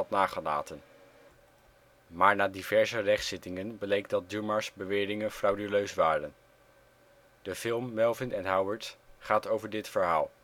nagelaten. Maar na diverse rechtszittingen bleek dat Dumars beweringen frauduleus waren. De film Melvin and Howard gaat over dit verhaal